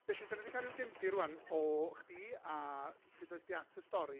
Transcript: Felly, dan ni 'di cael ryw gefndir wan, o chdi a sut ddoes di at y stori.